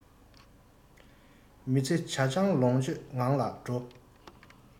མི ཚེ ཇ ཆང ལོངས སྤྱོད ངང ལ འགྲོ